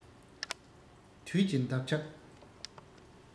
དུས ཀྱི འདབ ཆགས